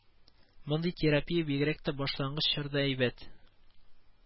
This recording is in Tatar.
Мондый терапия бигрәк тә башлангыч чорда әйбәт